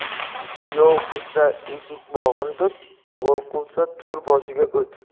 kuyov quvsa eshik bog'in tut o'g'il quvsa to'r boshiga o't